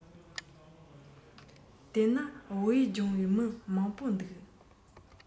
དེས ན བོད ཡིག སྦྱོང བའི མི མང པོ འདུག